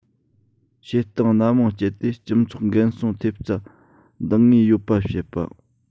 བྱེད སྟངས སྣ མང སྤྱད དེ སྤྱི ཚོགས འགན སྲུང ཐེབས རྩ འདང ངེས ཡོད པ བྱེད པ